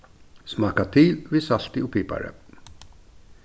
smakka til við salti og pipari